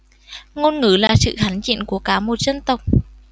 ngôn ngữ là sự hãnh diện của cả một dân tộc